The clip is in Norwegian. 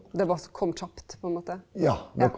det var kom kjapt på ein måte ja.